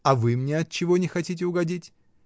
— А вы мне отчего не хотите угодить?